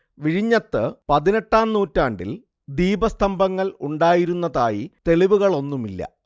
വിഴിഞ്ഞത്ത് പതിനെട്ടാം നൂറ്റാണ്ടിൽ ദീപസ്തംഭങ്ങൾ ഉണ്ടായിരുന്നതായി തെളിവുകളൊന്നുമില്ല